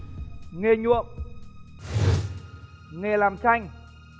nghề nhuộm nghề làm tranh